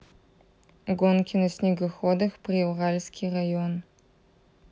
гонки на снегоходах приуральский район